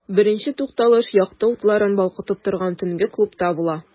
Беренче тукталыш якты утларын балкытып торган төнге клубта була.